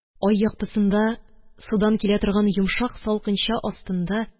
Ай яктысында судан килә торган йомшак салкынча астында